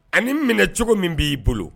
Ani minɛ cogo min b'i bolo